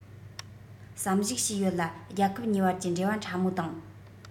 བསམ གཞིགས བྱས ཡོད ལ རྒྱལ ཁབ གཉིས བར གྱི འབྲེལ བ ཕྲ མོ དང